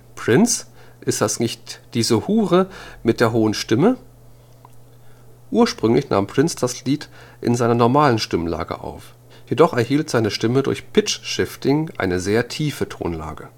Prince? Ist das nicht diese Hure mit der hohen Stimme? “Ursprünglich nahm Prince das Lied in seiner normalen Stimmlage auf, jedoch erhielt seine Stimme durch Pitch-Shifting eine sehr tiefe Tonlage